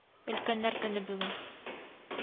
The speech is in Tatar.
Өлкәннәр көне бүген